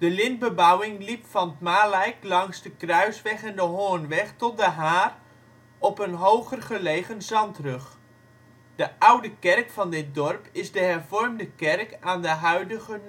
lintbebouwing liep van ' t Malijk, langs de Kruisweg en de Hoornweg tot De Haar, op een hoger gelegen zandrug. De oude kerk van dit dorp is de hervormde kerk aan de huidige